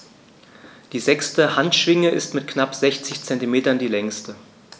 Die sechste Handschwinge ist mit knapp 60 cm die längste.